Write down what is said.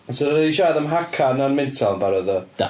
So dan ni 'di siarad am Haka 'na'n mental yn barod do?... Do.